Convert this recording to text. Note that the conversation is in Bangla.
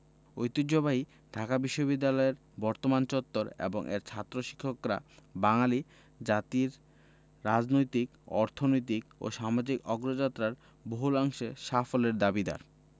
ঐতিহ্যবাহী ঢাকা বিশ্ববিদ্যালয়ের বর্তমান চত্বর এবং এর ছাত্র শিক্ষকরা বাঙালি জাতির রাজনৈতিক অর্থনৈতিক ও সামাজিক অগ্রযাত্রায় বহুলাংশে সাফল্যের দাবিদার